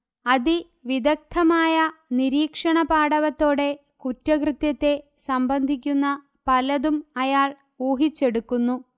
അതിവിദഗ്ദ്ധമായ നിരീക്ഷണപാടവത്തോടെ കുറ്റകൃത്യത്തെ സംബന്ധിക്കുന്ന പലതും അയാൾ ഊഹിച്ചെടുക്കുന്നു